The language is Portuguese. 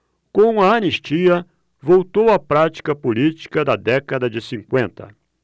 com a anistia voltou a prática política da década de cinquenta